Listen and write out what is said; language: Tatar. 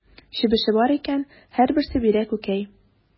Чебеше бар икән, һәрберсе бирә күкәй.